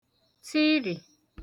tirì